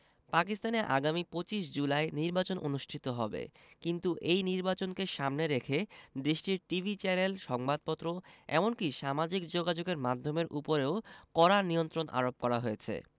পাকিস্তানে আগামী ২৫ জুলাই নির্বাচন অনুষ্ঠিত হবে কিন্তু এই নির্বাচনকে সামনে রেখে দেশটির টিভি চ্যানেল সংবাদপত্র এমনকি সামাজিক যোগাযোগের মাধ্যমের উপরেও কড়া নিয়ন্ত্রণ আরোপ করা হয়েছে